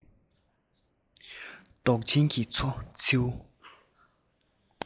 མདོག ཅན གྱི མཚོ མཚེའུ